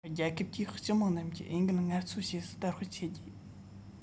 རྒྱལ ཁབ ཀྱིས སྤྱི དམངས རྣམས ཀྱིས འོས འགན ངལ རྩོལ བྱེད སྲོལ དར སྤེལ གཏོང རྒྱུ